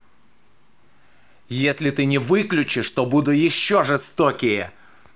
если ты это не выключишь то буду еще жестокие